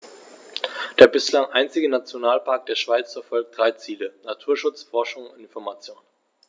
Der bislang einzige Nationalpark der Schweiz verfolgt drei Ziele: Naturschutz, Forschung und Information.